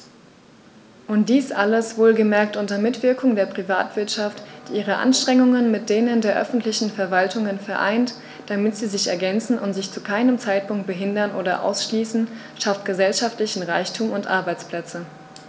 Und dies alles - wohlgemerkt unter Mitwirkung der Privatwirtschaft, die ihre Anstrengungen mit denen der öffentlichen Verwaltungen vereint, damit sie sich ergänzen und sich zu keinem Zeitpunkt behindern oder ausschließen schafft gesellschaftlichen Reichtum und Arbeitsplätze.